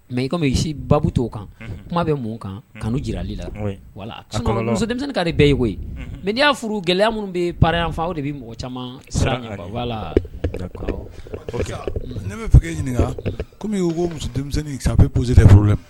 Mɛ i komi i si baa to kan kuma bɛ mun kan ka jirali la wala muso denmisɛnnin ka de bɛɛ ye koyi n' y'a furu gɛlɛya minnu bɛ payan fa aw de bɛ mɔgɔ caman sira ne ɲininka kɔmi y'u ko muso bɛz furu la